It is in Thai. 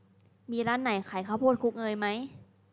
มีร้านไหนขายข้าวโพดคลุกเนยไหม